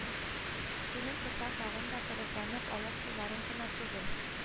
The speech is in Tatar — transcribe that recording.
Тимер кыса тагы да тыгызланып, аяк-кулларын гына түгел,